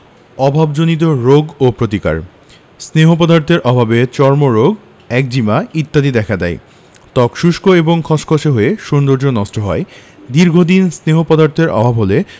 অভাবজনিত রোগ ও প্রতিকার স্নেহ পদার্থের অভাবে চর্মরোগ একজিমা ইত্যাদি দেখা দেয় ত্বক শুষ্ক এবং খসখসে হয়ে সৌন্দর্য নষ্ট হয় দীর্ঘদিন স্নেহ পদার্থের অভাব হলে